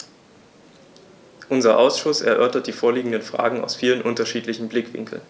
Unser Ausschuss erörtert die vorliegenden Fragen aus vielen unterschiedlichen Blickwinkeln.